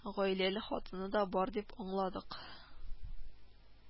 Гаиләле, хатыны да бар дип аңладык